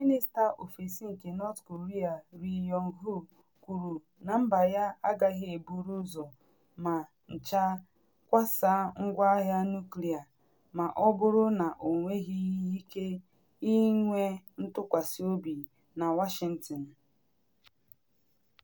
Minista Ofesi nke North Korea Ri Yong Ho kwuru na mba ya agaghị eburu ụzọ ma ncha kwasaa ngwa agha nuklịa ma ọ bụrụ na ọ nweghị ike ịnwe ntụkwasị obi na Washington.